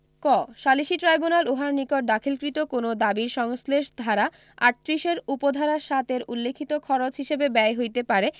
ক সালিসী ট্রাইব্যুনাল উহার নিকট দাখিলকৃত কোন দাবীর সংশ্লেষ ধারা ৩৮ এর উপ ধারা ৭ এর উল্লিখিত খরচ হিসাবে ব্যয় হইতে পারে